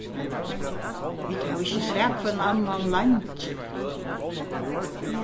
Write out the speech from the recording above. vit hava ikki sæð hvønn annan leingi